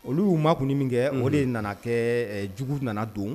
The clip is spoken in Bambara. Olu u maa tun min kɛ o de nana kɛ jugu nana don